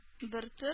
Бертөр